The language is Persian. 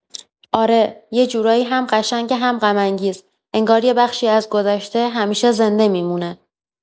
آره، یه جورایی هم قشنگه هم غم‌انگیز، انگار یه بخشی از گذشته همیشه زنده می‌مونه.